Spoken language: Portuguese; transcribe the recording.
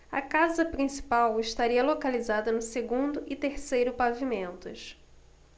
a casa principal estaria localizada no segundo e terceiro pavimentos